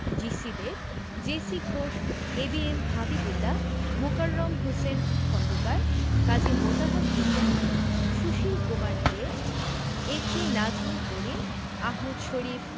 G C Deb J C Ghosh A B M Habibullah Mokarram Hossain Khondokar Kazi Motahar Hossain Sushil Kumar De A K De A K Nazmul Karim Ahmad Sharif